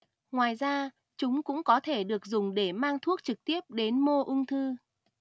ngoài ra chúng cũng có thể được dùng để mang thuốc trực tiếp đến mô ung thư